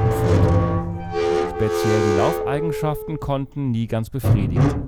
führte. Speziell die Laufeigenschaften konnten jedoch nie ganz befriedigen